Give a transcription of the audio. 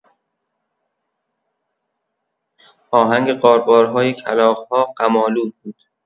آهنگ غارغارهای کلاغ‌ها غم‌آلود بود.